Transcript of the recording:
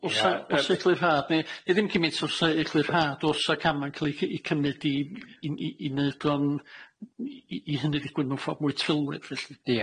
Ia. Osa osa eglyrhad ni ni ddim cymaint orsa eglyrhad orsa cama i ca'l ei cy- i cymyd i i i neud o'n i i i hynny'n ddigwydd mewn ffordd mwy trylwyr felly.